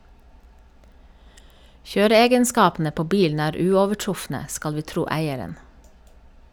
Kjøreegenskapene på bilen er uovertrufne, skal vi tro eieren.